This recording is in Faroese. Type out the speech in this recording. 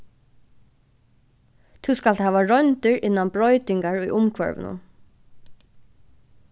tú skalt hava royndir innan broytingar í umhvørvinum